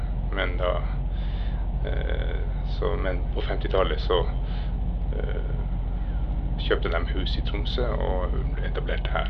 men da så Men på femtitallet så kjøpte dem hus i Tromsø og hun ble etablerte her.